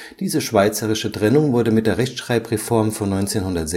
Diese schweizerische Trennung wurde mit der Rechtschreibreform von 1996